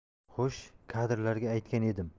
xo'sh kadrlarga aytgan edim